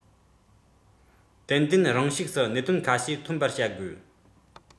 ཏན ཏན རང ཤུགས སུ གནད དོན ཁ ཤས ཐོན པར བྱ དགོས